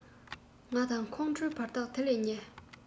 ང དང ཁོང ཁྲོའི བར ཐག དེ ལས ཉེ